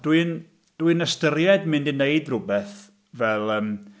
Dwi'n dwi'n ystyried mynd i wneud rhywbeth fel yym...